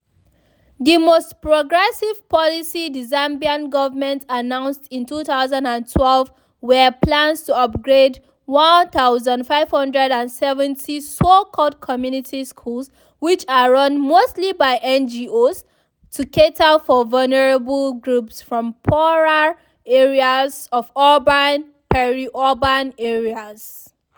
The most progressive policy the Zambian government announced in 2012 were plans to upgrade 1,570 so-called community schools which are run mostly by NGOs to cater for vulnerable groups from poorer areas of urban and peri-urban areas.